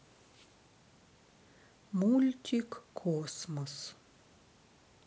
мультик космос